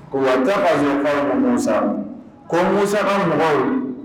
O wa tɛ pa ko ko musa ko musa ka mɔgɔ ye